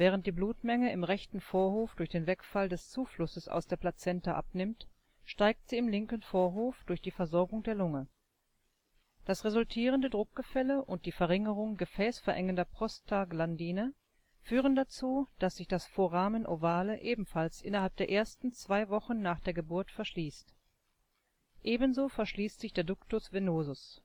Während die Blutmenge im rechten Vorhof durch den Wegfall des Zuflusses aus der Plazenta abnimmt, steigt sie im linken Vorhof durch die Versorgung der Lunge. Das resultierende Druckgefälle und die Verringerung gefäßverengender Prostaglandine führen dazu, dass sich das Foramen ovale ebenfalls innerhalb der ersten zwei Wochen nach der Geburt verschließt. Ebenso verschließt sich der Ductus venosus